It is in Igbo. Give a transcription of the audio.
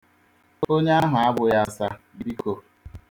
Onye ahụ abụghị asa biko..